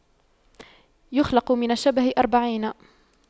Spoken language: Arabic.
يخلق من الشبه أربعين